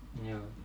joo